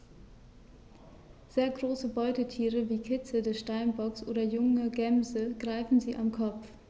Sehr große Beutetiere wie Kitze des Steinbocks oder junge Gämsen greifen sie am Kopf.